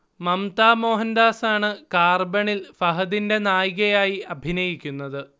മംമ്ത മോഹൻദാസാണ് കാർബണിൽ ഫഹദിന്റെ നായികയായി അഭിനയിക്കുന്നത്